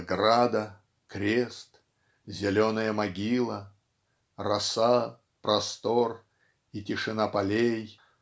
Ограда, крест, зеленая могила, Роса, простор и тишина полей.